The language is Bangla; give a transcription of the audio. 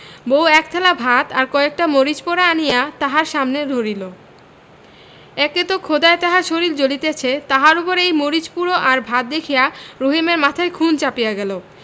বউ একথালা ভাত আর কয়েকটা মরিচ পোড়া আনিয়া তাহার সামনে ধরিল একে তো ক্ষুধায় তাহার শরীর জ্বলিতেছে তাহার উপর এই মরিচ পুড়ো আর ভাত দেখিয়া রহিমের মাথায় খুন চাপিয়া গেল